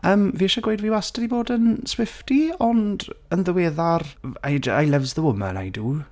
Yym fi isie gweud, fi wastad 'di bod yn Swiftie, ond... yn ddiweddar... I j- I loves the woman, I do.